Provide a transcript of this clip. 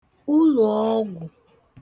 uloọgwụ